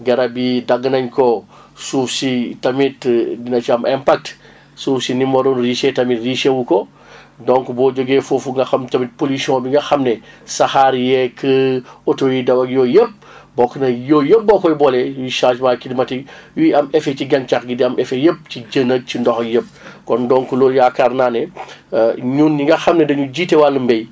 garab yi dagg nañ ko suuf si tamit na ci am impact suuf si ni mu waroon ricxhe tamit riche wu ko donc boo jógee foofu nga xam tamit comission bi nga xam ne saxaar yeeg oto yuy daw ak yooyu yëpp bokk na yooyu yëpp boo ko boolee ñuy changement climatique ñuy am effet ci gàncax gi di am effet yëpp ci * ak ci ndox yëpp kon donc loolu yaakaar naa ne ñooñu nga xam ne dañuy jiite wàllum mbéy